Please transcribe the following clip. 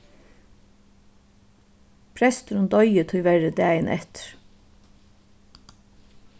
presturin doyði tíverri dagin eftir